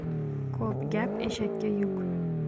ko'p gap eshakka yuk